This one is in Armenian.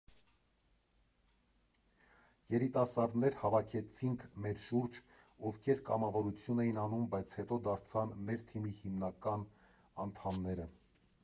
Երիտասարդներ հավաքեցինք մեր շուրջ, ովքեր կամավորություն էին անում, բայց հետո դարձան մեր թիմի հիմնական անդամները։